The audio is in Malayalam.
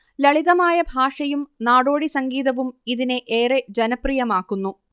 ലളിതമായ ഭാഷയും നാടോടി സംഗീതവും ഇതിനെ ഏറെ ജനപ്രിയമാക്കുന്നു